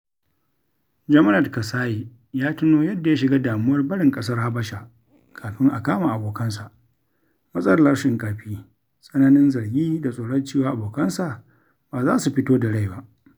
Jomaneɗ Kasaye ya tuno yadda ya shiga damuwar barin ƙasar Habasha kafin a kama abokansa - matsalar rashin ƙarfi - tsananin zargi da tsoron cewa abokansa ba za su fito da rai ba.